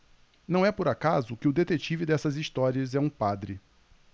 não é por acaso que o detetive dessas histórias é um padre